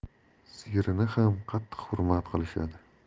sigirini ham qattiq hurmat qilishadi